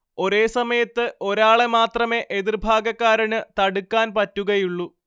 ഒരേ സമയത്ത് ഒരാളെ മാത്രമേ എതിര്ഭാഗക്കാരന് തടുക്കാൻ പറ്റുകയുള്ളു